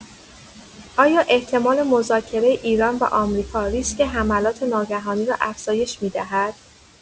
آیا احتمال مذاکره ایران و آمریکا ریسک حملات ناگهانی را افزایش می‌دهد؟